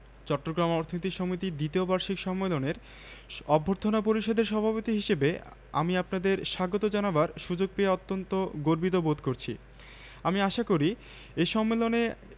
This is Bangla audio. সময়মত ওদের গোসল করিয়ে যেন খেতে দেওয়া হয় গোসল হয়ে যাবার পর খেতে বসে দুই বোন হেসে কুটিকুটি হচ্ছে দেখে আয়া জিজ্ঞেস করলেন আপনেরা অত হাসতাসেন ক্যান